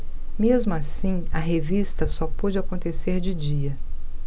mesmo assim a revista só pode acontecer de dia